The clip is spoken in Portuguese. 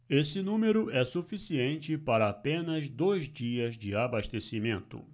esse número é suficiente para apenas dois dias de abastecimento